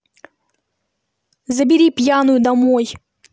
забери пьяную домой